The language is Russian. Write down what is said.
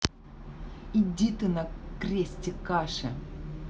иди ты на кресте каши